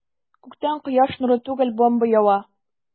Күктән кояш нуры түгел, бомба ява.